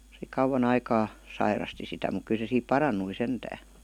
se kauan aikaa sairasti sitä mutta kyllä se siitä parantui sentään